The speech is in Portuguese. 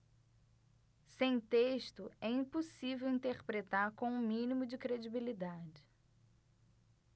sem texto é impossível interpretar com o mínimo de credibilidade